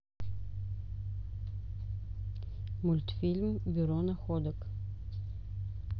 мультфильм бюро находок